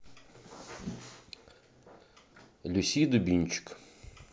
люси дубинчик